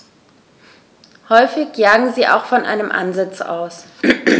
Häufig jagen sie auch von einem Ansitz aus.